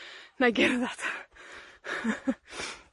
nai gerddad,